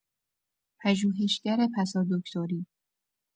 پژوهشگر پسادکتری